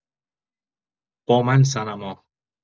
با من صنما